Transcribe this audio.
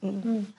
Mm. Hmm.